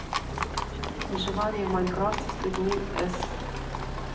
выживание в майнкрафте сто дней с